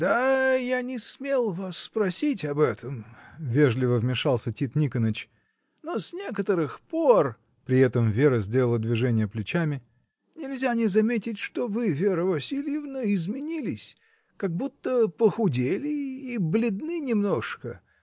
— Да, я не смел вас спросить об этом, — вежливо вмешался Тит Никоныч, — но с некоторых пор (при этом Вера сделала движение плечами) нельзя не заметить, что вы, Вера Васильевна, изменились. как будто похудели. и бледны немножко.